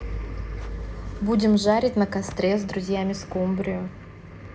будем жарить на костре с друзьями скумбрию